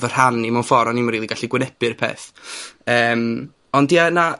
fy rhan i mewn ffor o'n i 'im yn rili gallu gwynebu'r peth, yym. Ond, ie, na.